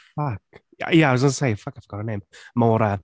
Fuck, yeah, I was going to say, fuck I forgot her name, Maura.